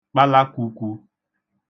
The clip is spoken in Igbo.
kpalakwukwu